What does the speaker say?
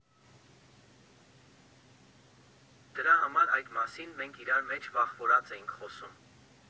Դրա համար այդ մասին մենք իրար մեջ վախվորած էինք խոսում։